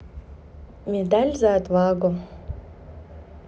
медаль за отвагу